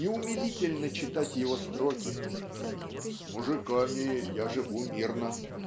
И умилительно читать его строки "С мужиками я живу мирно